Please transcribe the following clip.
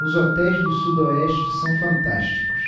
os hotéis do sudoeste são fantásticos